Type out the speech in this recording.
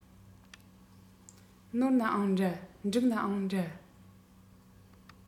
ནོར ནའང འདྲ འགྲིག ནའང འདྲ